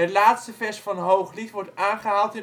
laatste vers van Hooglied wordt aangehaald